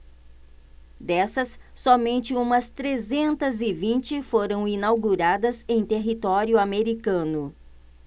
dessas somente umas trezentas e vinte foram inauguradas em território americano